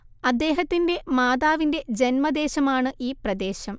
അദ്ദേഹത്തിന്റെ മാതാവിന്റെ ജന്മദേശമാണ് ഈ പ്രദേശം